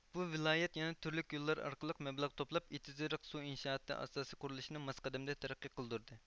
بۇ ۋىلايەت يەنە تۈرلۈك يوللار ئارقىلىق مەبلەغ توپلاپ ئېتىز ئېرىق سۇ ئىنشائاتى ئاساسى قۇرۇلۇشىنى ماس قەدەمدە تەرەققىي قىلدۇردى